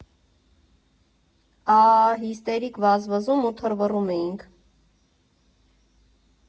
Աաաա՜, հիստերիկ վազվզում ու թռվռում էինք։